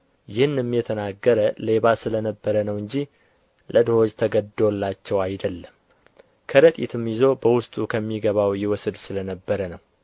ይህንም የተናገረ ሌባ ስለ ነበረ ነው እንጂ ለድሆች ተገድዶላቸው አይደለም ከረጢትም ይዞ በውስጡ ከሚገባው ይወስድ ስለ ነበረ ነው